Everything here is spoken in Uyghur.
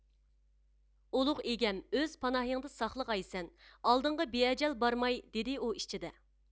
ئۇلۇغ ئىگەم ئۆز پاناھىڭدا ساقلىغايسەن ئالدىڭغا بىئەجەل بارماي دىدى ئۇ ئىچىدە